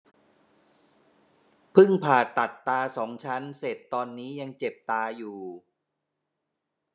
พึ่งผ่าตัดตาสองชั้นเสร็จตอนนี้ยังเจ็บตาอยู่